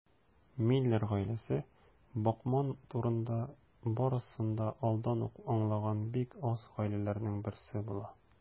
Миллер гаиләсе Бакман турында барысын да алдан ук аңлаган бик аз гаиләләрнең берсе була.